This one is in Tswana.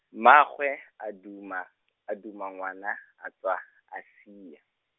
mmaagwe, a duma, a duma ngwana, a tswa, a sia.